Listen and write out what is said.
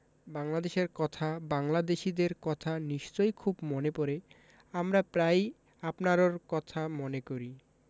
বাংলাদেশের কথা বাংলাদেশীদের কথা নিশ্চয় খুব মনে পরে আমরা প্রায়ই আপনারর কথা মনে করি